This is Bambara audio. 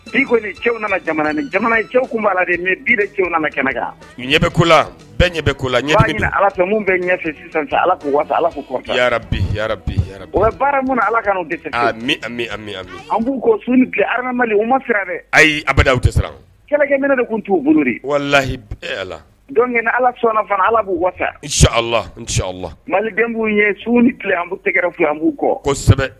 Biko cɛw nana jamana ni jamana cɛw tun bɛ' ala de min bi bɛ cɛw nana kɛnɛ ɲɛ bɛ kola bɛɛ ɲɛbɛ ko la ala fɛ minnu bɛ ɲɛfɛ sisanfɛ alasa ala baara min ala ka dɛsɛu ha adama mali o ma ayi tɛkɛminɛ de tun t' u bolo walahi ala dɔnkuc ala sɔn fana ala b'u wasa ala mali b'u ye sun ni tile an b' tɛgɛɛrɛ an b'u kɔ kɔ kosɛbɛ